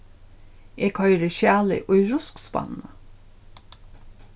eg koyri skjalið í ruskspannina